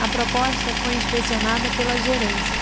a proposta foi inspecionada pela gerência